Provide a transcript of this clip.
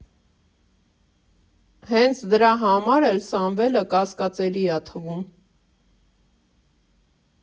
Հենց դրա համար էլ Սամվելը կասկածելի ա թվում։